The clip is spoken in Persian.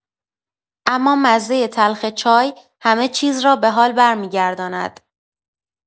اما مزۀ تلخ چای همه‌چیز را به حال برمی‌گرداند.